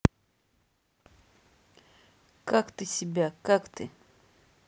как ты себя как ты дрочишь